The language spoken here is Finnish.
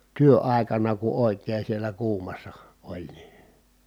työaikana kun oikein siellä kuumassa oli niin